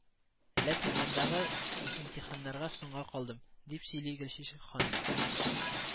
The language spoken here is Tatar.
Ләкин андагы имтиханнарга соңга калдым, дип сөйли Гөлчәчәк ханым